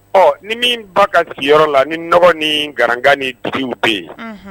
Ɔ ni min b'a ka sigiyɔrɔ la ni nɔgɔ ni garankan ni dabiw bɛ ye